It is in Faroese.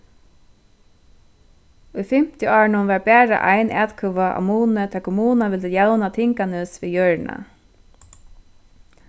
í fimmtiárunum var bara ein atkvøða á muni tá kommunan vildi javna tinganes við jørðina